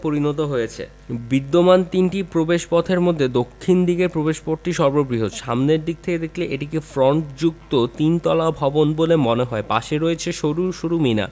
পরিণত হয়েছে বিদ্যমান তিনটি প্রবেশপথের মধ্যে দক্ষিণ দিকের প্রবেশপথটি সর্ববৃহৎ সামনে থেকে দেখলে এটিকে ফ্রন্টনযুক্ত তিন তলা ভবন বলে মনে হয় পাশে রয়েছে সরু সরু মিনার